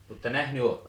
mutta nähnyt -